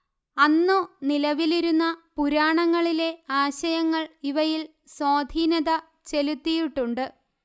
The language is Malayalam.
അന്നു നിലവിലിരുന്ന പുരാണങ്ങളിലെ ആശയങ്ങൾ ഇവയിൽ സ്വാധീനത ചെലുത്തിയിട്ടുണ്ട്